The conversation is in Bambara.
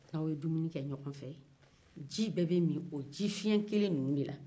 ni aw ye dumuni kɛ ɲɔgɔn fɛ ji bɛɛ bɛ min o jifiɲɛ kelen ninnuw de la